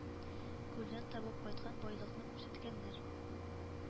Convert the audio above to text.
Күлдән табып кайткан байлыкны күрсәткәннәр